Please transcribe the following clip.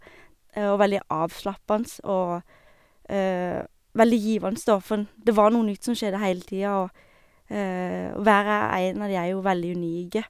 Og veldig avslappende, og veldig givende, da, for en det var noe nytt som skjedde heile tida, og og hver og en av de er jo veldig unike.